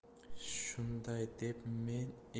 shunday deb men